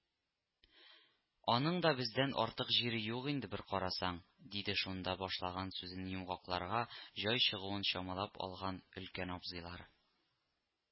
Аның да бездән артык җире юк инде, бер карасаң, — диде шунда, башлаган сүзен йомгакларга җай чыгуын чамалап алган өлкән абзыйлары.М